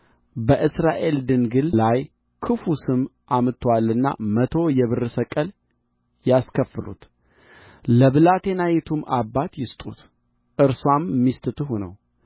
በእስራኤል ድንግል ላይ ክፉ ስም አምጥቶአልና መቶ የብር ሰቅል ያስከፍሉት ለብላቴናይቱም አባት ይስጡት እርስዋም ሚስት ትሁነው